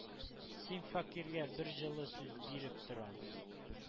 Син фәкыйрьгә бер җылы сүз биреп торам.